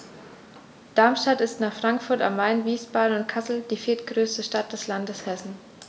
Darmstadt ist nach Frankfurt am Main, Wiesbaden und Kassel die viertgrößte Stadt des Landes Hessen